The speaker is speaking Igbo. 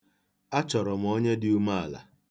Achọrọ m onye dị umeala.